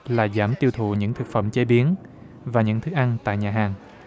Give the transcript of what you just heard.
là giảm tiêu thụ những thực phẩm chế biến và những thức ăn tại nhà hàng